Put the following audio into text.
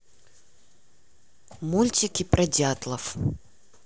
мультики про дятлов